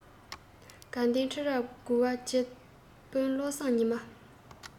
དགའ ལྡན ཁྲི རབས དགུ བ རྗེ དཔོན བློ བཟང ཉི མ